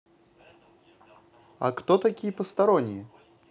а кто такие посторонние